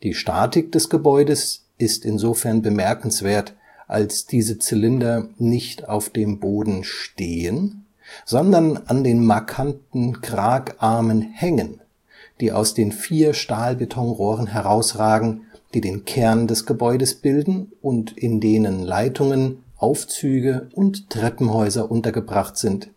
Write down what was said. Statik des Gebäudes ist insofern bemerkenswert, als diese Zylinder nicht auf dem Boden stehen, sondern an den markanten Kragarmen hängen, die aus den vier Stahlbetonrohren herausragen, die den Kern des Gebäudes bilden und in denen Leitungen, Aufzüge und Treppenhäuser untergebracht sind